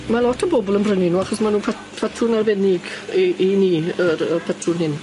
Ma' lot o bobol yn brynu nw achos ma' nw'n pat- patrwn arbennig i i ni yr y patrwn hyn.